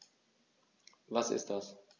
Was ist das?